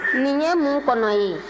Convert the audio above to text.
nin ye mun kɔnɔ ye